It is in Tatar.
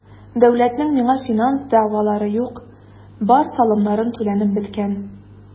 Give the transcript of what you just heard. Дәүләтнең миңа финанс дәгъвалары юк, бар салымнарым түләнеп беткән.